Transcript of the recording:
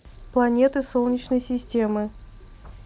планеты солнечной системы